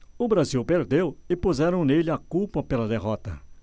o brasil perdeu e puseram nele a culpa pela derrota